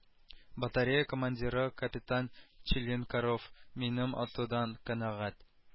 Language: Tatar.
Батарея командиры капитан чилинкаров минем атудан канәгать